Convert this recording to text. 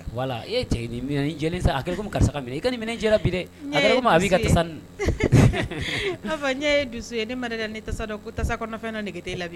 E a i ka bi dɛ a ka sa n ye donso ye ne ma sasa na ne'